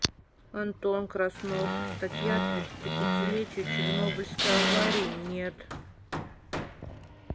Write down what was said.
антон краснов статья тридцатипятилетию чернобыльской аварии нет